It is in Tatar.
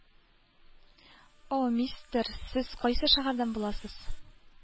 О, мистер, сез кайсы шәһәрдән буласыз?